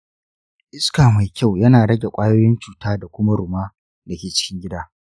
iska mai kyau yana rage kwayoyin cuta da kuma ruma dake cikin gida.